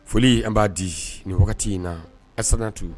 Foli an b'a di nin wagati in na risatu